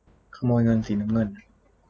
ขโมยเงินสีน้ำเงิน